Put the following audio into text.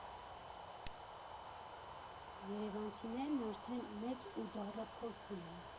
Երևանցիներն արդեն մեծ ու դառը փորձ ունեին։